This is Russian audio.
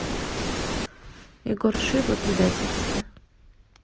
егор шип о предательстве